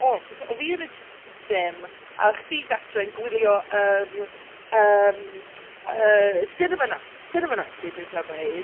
Ond, o' fi yn y j- gym, a o' chdi gatre yn gwylio yr yym yy y cinema night, cinema night yw be fi'n trial gweud.